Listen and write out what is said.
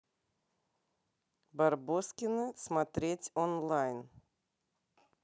барбоскины смотреть онлайн